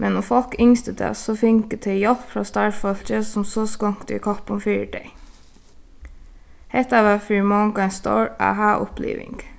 men um fólk ynsktu tað so fingu tey hjálp frá starvsfólki sum so skonkti í koppin fyri tey hetta var fyri mong ein stór aha-uppliving